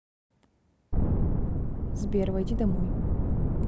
сбер войди домой